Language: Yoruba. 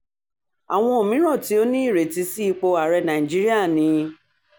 Àwọn mìíràn tí ó ní ìrètí sí ipò ààrẹ Nàìjíríà ni: